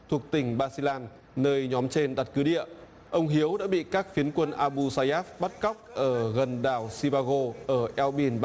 thuộc tỉnh ba si lan nơi nhóm trên đặt cứ địa ông hiếu đã bị các phiến quân a bu xay áp bắt cóc ở gần đảo xi ba gô ở eo biển